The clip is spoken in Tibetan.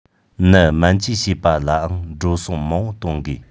ནད སྨན བཅོས བྱེད པ ལའང འགྲོ སོང མང བོ གཏོང དགོས